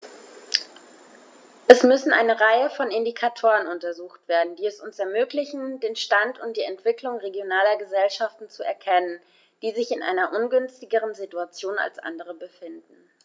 Es müssen eine Reihe von Indikatoren untersucht werden, die es uns ermöglichen, den Stand und die Entwicklung regionaler Gesellschaften zu erkennen, die sich in einer ungünstigeren Situation als andere befinden.